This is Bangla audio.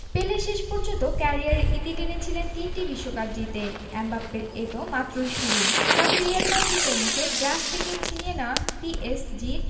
পেলে শেষ পর্যন্ত ক্যারিয়ারের ইতি টেনেছিলেন তিনটি বিশ্বকাপ জিতে এমবাপ্পের এ তো মাত্রই শুরু তবে রিয়াল মাদ্রিদের মুখে গ্রাস থেকে ছিনিয়ে নেওয়া পিএসজির